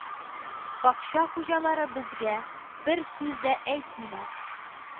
Бакча хуҗалары безгә бер сүз дә әйтмиләр